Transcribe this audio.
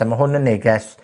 A ma' hwn yn neges